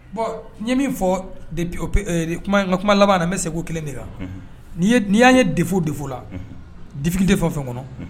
Bɔn ye min fɔ kuma laban ne bɛ se kelen de kan'i y' ye defo defo la dife de fɛn kɔnɔ